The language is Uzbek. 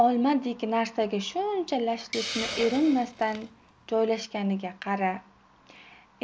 olmadek narsaga shuncha lash lushni erinmasdan joylashganiga qara